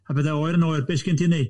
a pethe oer yn oer, be sgen ti'n yn'i?